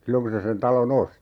silloin kun se sen talon osti